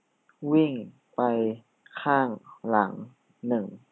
วิ่งไปข้างหลังหนึ่ง